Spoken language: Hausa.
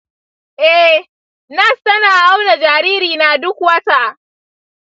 eh, nas tana auna jaririna duk wata.